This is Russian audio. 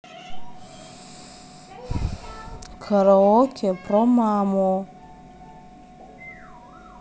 караоке про маму